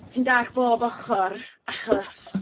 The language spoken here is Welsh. Ti'n dalld bob ochr, achos...